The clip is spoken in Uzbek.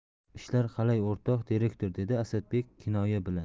ishlar qalay o'rtoq direktor dedi asadbek kinoya bilan